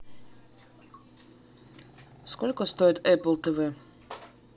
сколько стоит apple tv